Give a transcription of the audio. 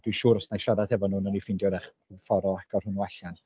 Dwi'n siŵr os wna i siarad efo nhw wnawn ni ffeindio wrach ffordd o agor hwnnw allan.